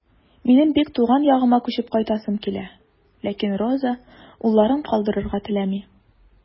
Минем бик туган ягыма күчеп кайтасым килә, ләкин Роза улларын калдырырга теләми.